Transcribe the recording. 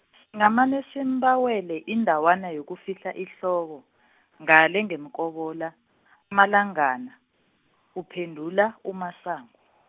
ngamane simbawele indawana yokufihla ihloko, ngale ngeMkobola, amalangana, kuphendula uMasango.